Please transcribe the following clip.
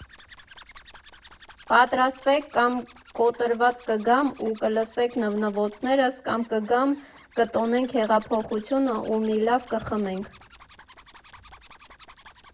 Պատրաստվեք՝ կամ կոտրված կգամ ու կլսեք նվնվոցներս, կամ կգամ, կտոնենք հեղափոխությունը ու մի լավ կխմենք։